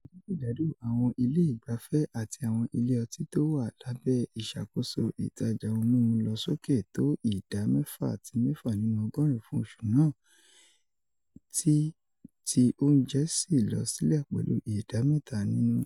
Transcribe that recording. Jákèjádò àwọn ilé ìgbafẹ́ àti àwọn ilé ọtí tó wà lábẹ́ ìṣàkoso ìtàjà ohun mímu lọ sókè tó ìdá 6.6 nínú ọgọ́ọ̀rún fún oṣù náà, tí ti óùnjẹ síì lọ sílẹ̀ pẹ̀lu ìdá mẹ́ta nínú ."